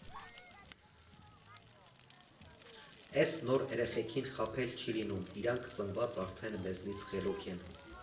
Էս նոր երեխեքին խաբել չի լինում, իրանք ծնված արդեն մեզնից խելոք են։